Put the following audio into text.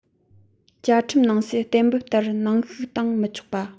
བཅའ ཁྲིམས ནང གསལ གཏན འབེབས ལྟར ནང བཤུག བཏང མི ཆོག པ